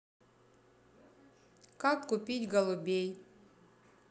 как купить голубей